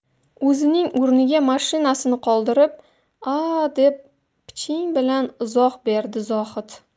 o'zining o'rniga mashinasini qoldirib a deb piching bilan izoh berdi zohid